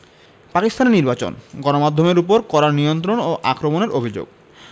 পাকিস্তানে নির্বাচন গণমাধ্যমের ওপর কড়া নিয়ন্ত্রণ ও আক্রমণের অভিযোগ